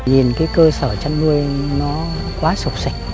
nhìn cái cơ sở chăn nuôi nó quá xộc xệch